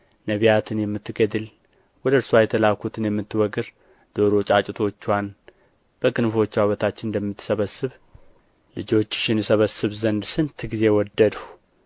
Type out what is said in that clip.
ነቢያትን የምትገድል ወደ እርስዋ የተላኩትንም የምትወግር ዶሮ ጫጩቶችዋን በክንፎችዋ በታች እንደምትሰበስብ ልጆችሽን እሰበስብ ዘንድ ስንት ጊዜ ወደድሁ